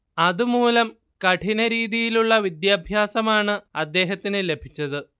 അതുമൂലം കഠിനരീതിയിലുള്ള വിദ്യാഭാസമാണ് അദ്ദേഹത്തിന് ലഭിച്ചത്